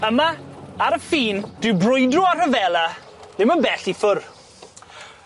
Yma ar y ffin dyw brwydro a rhyfela ddim yn bell i ffwr'.